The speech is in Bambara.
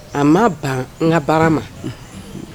A ma ban. _Un. N ka baara ma.